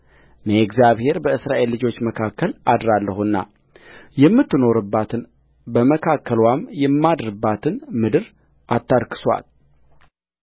እኔ እግዚአብሔር በእስራኤል ልጆች መካከል አድራለሁና የምትኖሩባትን በመካከልዋም የማድርባትን ምድር አታርክሱአት